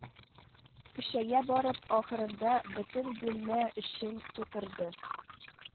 Көчәя барып, ахырында бөтен бүлмә эчен тутырды